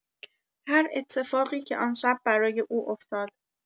هر اتفاقی که آن شب برای او افتاد